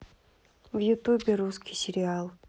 в ютубе русский сериал